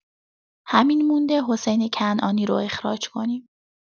همین مونده حسین کنعانی رو اخراج کنیم.